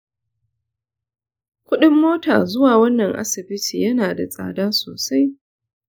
kudin mota zuwa wannan asibiti yana da tsada sosai.